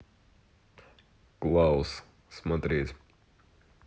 клаус смотреть